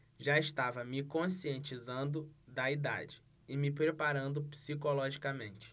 já estava me conscientizando da idade e me preparando psicologicamente